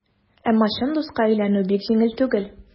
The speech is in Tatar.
Әмма чын дуска әйләнү бик җиңел түгел.